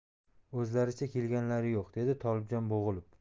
o'zlaricha kelganlari yo'q dedi tolibjon bo'g'ilib